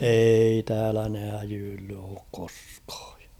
ei täällä ne häijyillyt ole koskaan